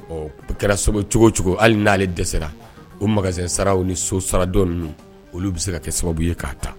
Ɔ o kɛra sababu cogo cogo hali n'ale dɛsɛ o ma sararaw ni so sara dɔ ninnu olu bɛ se ka kɛ sababu ye k'a ta